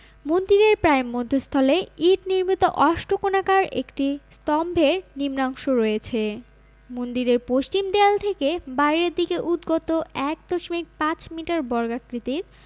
মন্দিরের প্রায় মধ্যস্থলে ইট নির্মিত অষ্টকোণাকার একটি স্তম্ভের নিম্নাংশ রয়েছে মন্দিরের পশ্চিম দেয়াল থেকে বাইরের দিকে উদগত ১ দশমিক ৫ মিটার বর্গাকৃতির